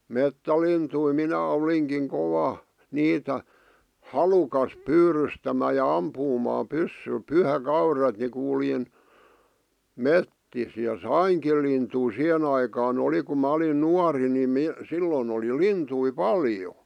metsälintuja minä olinkin kova niitä halukas pyydystämään ja ampumaan pyssyllä pyhäkaudet niin kuljin metsissä ja sainkin lintuja siihen aikaan oli kun minä olin nuori niin - silloin oli lintuja paljon